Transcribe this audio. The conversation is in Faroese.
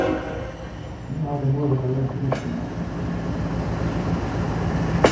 og nú hava tey møguleika at royna teknikkin av